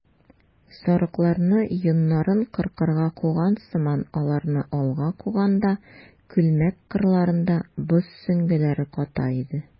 Сарыкларны йоннарын кыркырга куган сыман аларны алга куганда, күлмәк кырларында боз сөңгеләре ката иде.